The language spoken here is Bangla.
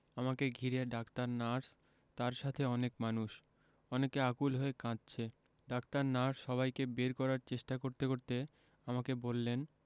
আমাকে ঘিরে ডাক্তার নার্স তার সাথে অনেক মানুষ অনেকে আকুল হয়ে কাঁদছে ডাক্তার নার্স সবাইকে বের করার চেষ্টা করতে করতে আমাকে বললেন